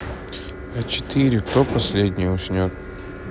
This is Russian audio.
а четыре кто последний уснет